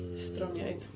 Estroniaid